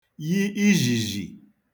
yi izhìzhì